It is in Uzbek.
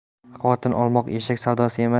xotin olmoq eshak savdosi emas